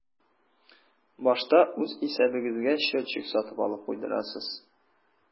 Башта үз исәбегезгә счетчик сатып алып куйдырасыз.